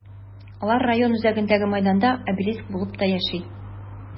Алар район үзәгендәге мәйданда обелиск булып та яши.